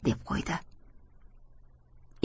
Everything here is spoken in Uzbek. deb qo'ydi